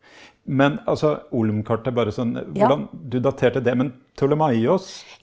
men altså olm-kartet er bare sånn hvordan du daterte det, men Ptolemaios.